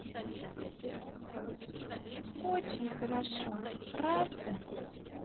очень хорошо правда